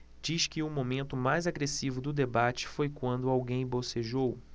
diz que o momento mais agressivo do debate foi quando alguém bocejou